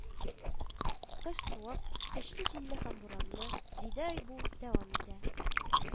Кыш суык, көчле җилле һәм буранлы, җиде ай бу дәвам итә